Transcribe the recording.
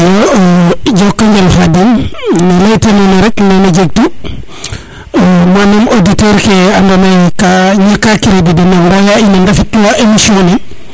iyo njokonjal Khadim ne leyta nona rek naga jeg tu manam auditeur ke ando naye ka ka ñaka crédit dena ngaya in a ndafetluwa émission ne